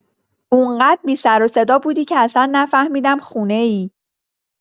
اون‌قدر بی‌سروصدا بودی که اصلا نفهمیدم خونه‌ای.